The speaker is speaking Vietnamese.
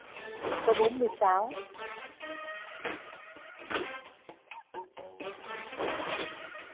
số bốn mươi sáu dui hông vậy